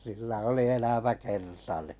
sillä oli elämäkerta niin